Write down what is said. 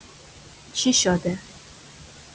چی شده